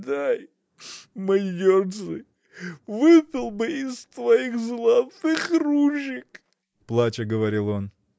— Дай мадерцы: выпил бы из твоих золотых ручек! — плача говорил он.